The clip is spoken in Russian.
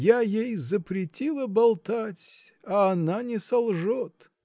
Я ей запретила болтать, а она не солжет.